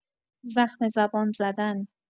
زخم‌زبان زدن